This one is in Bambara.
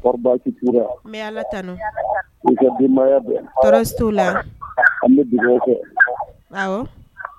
Koni baasi t'i la ? N bɛ allah tanu. I ka denbaya bɛɛ? tɔɔrɔ si t'u la an bɛna dugawu kɛ, awɔ,